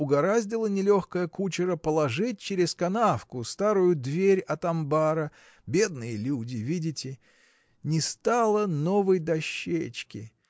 угораздила нелегкая кучера положить через канавку старую дверь от амбара. бедные люди, видите! Не стало новой дощечки!